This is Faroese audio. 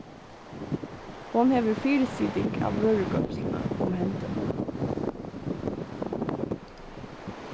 hon hevur fyrisiting av vørugoymsluni um hendi